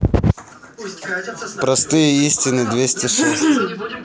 простые истины двести шесть